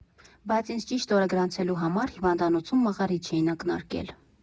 Բայց ինձ ճիշտ օրը գրանցելու համար հիվանդանոցում մաղարիչ էին ակնարկել։